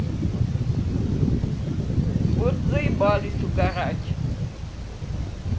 вот заебались угорать